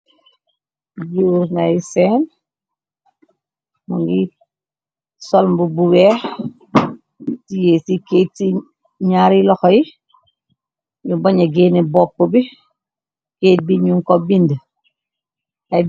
Jur nay seen mu ngi solmb bu weex ti yee ci keet ci ñaari loxoy ñu bañe geene bopp bi kéet bi ñu ko bind.